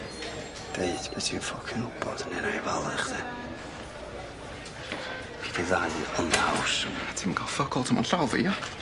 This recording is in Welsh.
Deud be' ti'n ffycin wbod neu na'i falu chdi. Fydda i on the house Ti 'im yn ca'l ffyc all tan ma yn llaw fi ia?